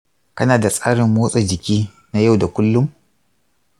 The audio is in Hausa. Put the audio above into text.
kana da tsarin motsa jiki na yau da kullun?